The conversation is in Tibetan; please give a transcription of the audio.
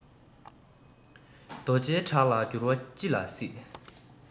རྡོ རྗེའི བྲག ལ འགྱུར བ ཅི ལ སྲིད